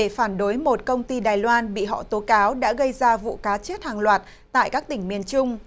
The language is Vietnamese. để phản đối một công ty đài loan bị họ tố cáo đã gây ra vụ cá chết hàng loạt tại các tỉnh miền trung